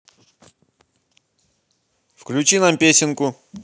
включи нам песенку